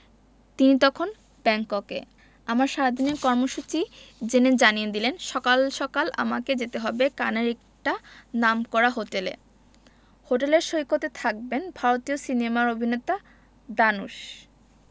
তিনি তখন ব্যাংককে আমার সারাদিনের কর্মসূচি জেনে জানিয়ে দিলেন সকাল সকাল আমাকে যেতে হবে কানের একটা নামকরা হোটেলে হোটেলের সৈকতে থাকবেন ভারতীয় সিনেমার অভিনেতা দানুশ